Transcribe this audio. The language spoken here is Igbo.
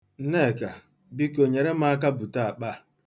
Nneka, biko, nyere m aka bute akpa a.